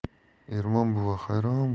ermon buva hayron